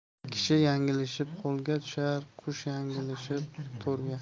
kishi yanglishib qo'lga tushar qush yanglishib to'rga